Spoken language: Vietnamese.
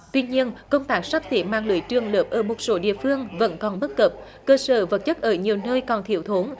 tuy nhiên công tác sắp xếp mạng lưới trường lớp ở một số địa phương vẫn còn bất cập cơ sở vật chất ở nhiều nơi còn thiếu thốn